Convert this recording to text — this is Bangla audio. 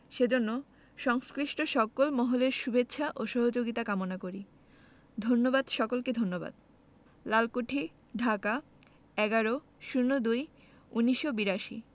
সেজন্য সংশ্লিষ্ট সকল মহলের শুভেচ্ছা ও সহযোগিতা কামনা করি ধন্যবাদ সকলকে ধন্যবাদ লালকুঠি ঢাকা ১১ ০২ ১৯৮২